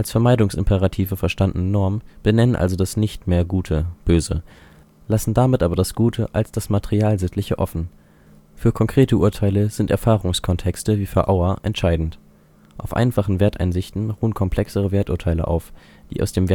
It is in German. Vermeidungsimperative verstandene Normen benennen also das Nicht-Mehr-Gute (Böse), lassen damit aber das Gute als das material Sittliche offen. Für konkrete Urteile sind Erfahrungskontexte, wie für Auer, entscheidend: auf einfachen Werteinsichten ruhen komplexere Werturteile auf, die aus dem